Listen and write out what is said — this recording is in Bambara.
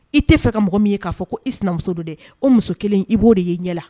I tɛ fɛ ka mɔgɔ min ye k'a fɔ ko i sinamuso don dɛ o muso kelen i b'o de y ye ɲɛ la